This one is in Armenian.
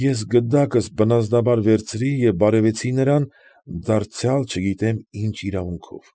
Ես գդակս բնազդաբար վերցրի և բարևեցի նրան, դարձյալ չգիտեմ ինչ իրավունքով։